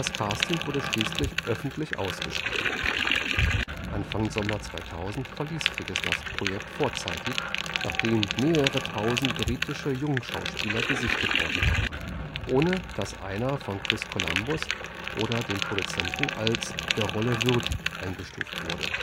Casting wurde schließlich öffentlich ausgeschrieben. Anfang Sommer 2000 verließ Figgis das Projekt frühzeitig, nachdem mehrere tausend britische Jungschauspieler gesichtet worden waren, ohne dass einer von Chris Columbus oder den Produzenten als „ der Rolle würdig “eingestuft wurde